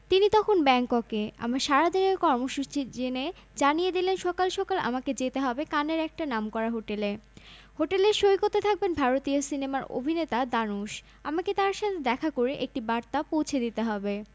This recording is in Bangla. মার্কিন গণমাধ্যম সিএনএন হ্যারি আর মেগানের বিয়ের বিস্তারিত নিয়ে সম্প্রতি এক প্রতিবেদন প্রকাশ করেছে সেখানে তারা রাজকীয় এই বিয়ের ভেন্যু থেকে শুরু করে মেন্যু কনের পোশাক সময়সূচী সব জানিয়ে দিয়েছে